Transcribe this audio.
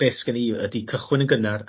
beth sgen i ydi cychwyn yn gynnar